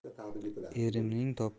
erimning topganini o'ynab yeyman